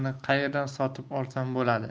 qayerdan sotib olsam bo'ladi